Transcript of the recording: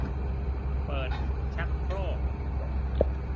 เปิดชักโครก